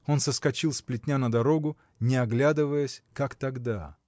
Он соскочил с плетня на дорогу, не оглядываясь, как тогда.